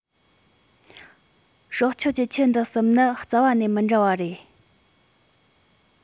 སྲོག ཆགས ཀྱི ཁྱུ འདི གསུམ ནི རྩ བ ནས མི འདྲ བ རེད